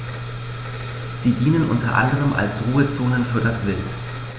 Sie dienen unter anderem als Ruhezonen für das Wild.